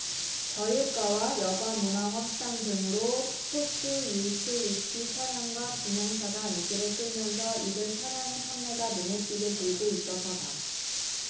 저유가와 여가문화 확산 등으로 스포츠유틸리티차량과 중형차가 인기를 끌면서 이들 차량의 판매가 눈에 띄게 줄고 있어서다